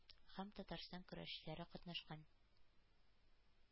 Һәм татарстан көрәшчеләре катнашкан.